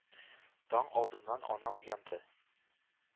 Таң алдыннан ана уянды —